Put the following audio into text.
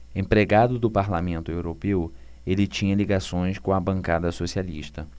empregado do parlamento europeu ele tinha ligações com a bancada socialista